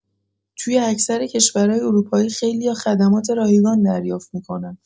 توی اکثر کشورای اروپایی خیلی‌ها خدمات رایگان دریافت می‌کنن.